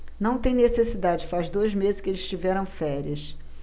não tem necessidade faz dois meses que eles tiveram férias